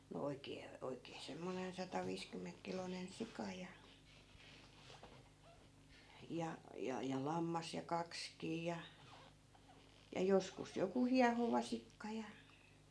no oikein oikein semmoinen sataviisikymmenkiloinen sika ja ja ja ja lammas ja kaksikin ja ja joskus joku hiehovasikka ja